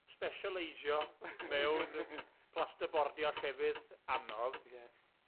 sbesialeisio mewn plasterboardio llefydd anodd... Ie.